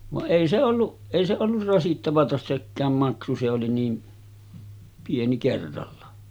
vaan ei se ollut ei se ollut rasittavaa sekään maksu se oli niin pieni kerralla